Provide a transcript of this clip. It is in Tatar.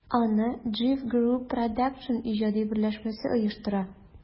Аны JIVE Group Produсtion иҗади берләшмәсе оештыра.